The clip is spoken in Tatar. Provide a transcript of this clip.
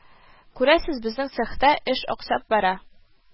Күрәсез, безнең цехта эш аксап бара